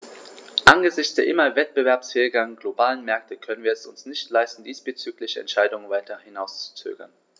Angesichts der immer wettbewerbsfähigeren globalen Märkte können wir es uns nicht leisten, diesbezügliche Entscheidungen weiter hinauszuzögern.